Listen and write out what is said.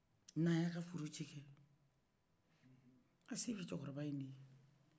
n'ya ka foro ci kɛ a se bɛ cɔkɔbayi den yen